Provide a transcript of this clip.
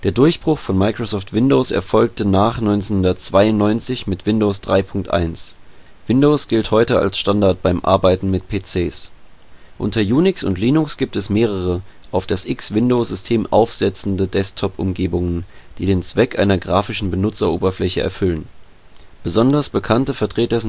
Durchbruch von Microsoft Windows erfolgte nach 1992 mit Windows 3.1. Windows gilt heute als Standard beim Arbeiten mit PCs. Unter Unix und Linux gibt es mehrere, auf das X Window System aufsetzende Desktop-Umgebungen, die den Zweck einer grafischen Oberfläche erfüllen. Besonders bekannte Vertreter